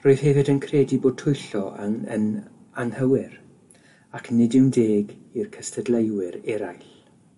Rwyf hefyd yn credu bod twyllo yn yn anghywir ac nid yw'n deg i'r cystadleuwyr eraill.